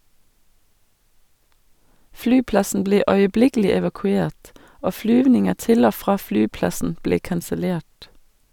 Flyplassen ble øyeblikkelig evakuert, og flyvninger til og fra flyplassen ble kansellert.